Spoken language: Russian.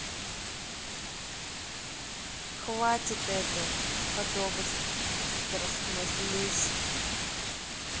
хватит этой подобострастной лести